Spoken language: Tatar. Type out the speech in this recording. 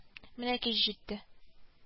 Менә кич җитте